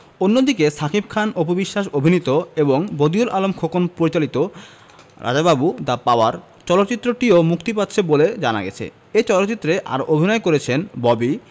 অন্যদিকে শাকিব খান অপু বিশ্বাস অভিনীত এবং বদিউল আলম খোকন পরিচালিত রাজা বাবু দ্যা পাওয়ার চলচ্চিত্রটিও এই মুক্তি পাচ্ছে বলে জানা গেছে এ চলচ্চিত্রে আরও অভিনয় করেছেন ববি